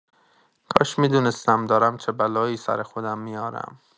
کاش می‌دونستم دارم چه بلایی سر خودم می‌آرم.